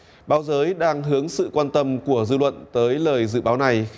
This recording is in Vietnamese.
báo giới đang hướng sự quan tâm của dư luận tới lời dự báo này